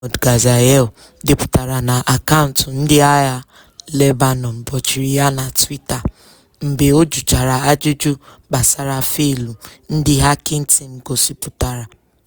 Onye ntaakụkọ Lebanon bụ Mahmoud Ghazayel depụtara na akaụntụ Ndịagha Lebanon gbochiri ya na Twitter mgbe ọ jụchara ajụjụ gbasara faịlụ ndị Hacking Team gosịpụtara.